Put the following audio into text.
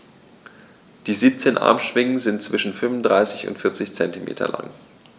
Die 17 Armschwingen sind zwischen 35 und 40 cm lang.